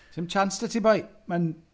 'Sdim siawns 'da ti boi mae'n...